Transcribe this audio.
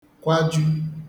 kwaju